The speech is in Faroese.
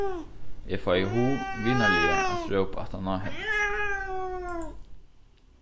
eg fái hug vinarliga at rópa aftaná henni